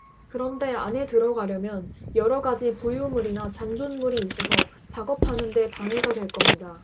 그런데 안에 들어가려면 여러 가지 부유물이나 잔존물이 있어서 작업하는 데 방해가 될 겁니다